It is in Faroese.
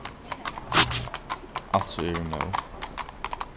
altso eg eri móð